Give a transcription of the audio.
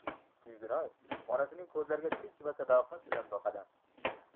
suyginoy onasining ko'zlariga tik va sadoqat bilan boqadi